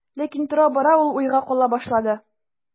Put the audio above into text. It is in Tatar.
Ләкин тора-бара ул уйга кала башлады.